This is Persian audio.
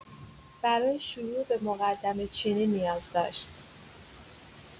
برای شروع به مقدمه‌چینی نیاز داشت.